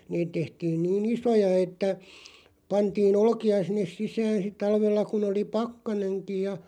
niitä tehtiin niin isoja että pantiin olkia sinne sisään sitten talvella kun oli pakkanenkin ja